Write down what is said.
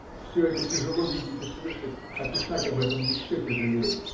все это тяжело видеть и слышать, а писать об этом еще тяжелее.